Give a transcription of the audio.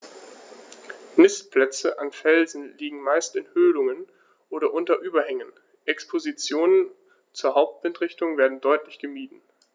Nistplätze an Felsen liegen meist in Höhlungen oder unter Überhängen, Expositionen zur Hauptwindrichtung werden deutlich gemieden.